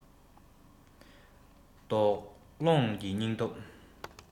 དོགས སློང གི སྙིང སྟོབས